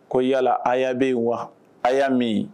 Ko yala aaya bɛ yen wa aaya y'a min